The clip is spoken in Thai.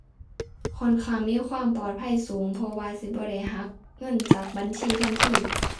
ค่อนข้างมีความปลอดภัยสูง เพราะว่าสิบ่ได้หักเงินจากบัญชีทันที